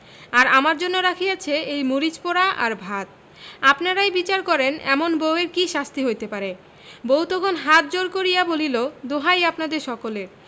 আর আমার জন্য রাখিয়াছে এই মরিচ পোড়া আর ভাত আপনারাই বিচার করেন এমন বউ এর কি শাস্তি হইতে পারে বউ তখন হাত জোড় করিয়া বলিল দোহাই আপনাদের সকলের